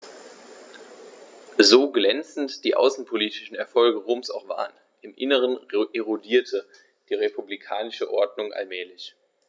So glänzend die außenpolitischen Erfolge Roms auch waren: Im Inneren erodierte die republikanische Ordnung allmählich.